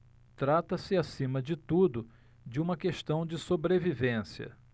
trata-se acima de tudo de uma questão de sobrevivência